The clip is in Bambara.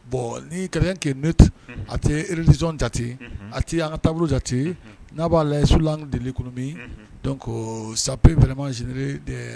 Bon ni ka ne a tɛ rezz jateti a tɛ anan ka taabolouru jate n'a b'a layi sulan deli kun min ko sabup bɛmansre de